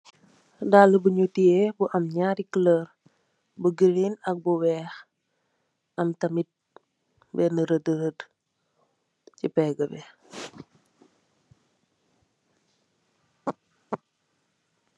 Dalu buñi tiyeh bu am ñarri kulor bu gireen ak bu wekh am tamit bena radu radu si peggbi.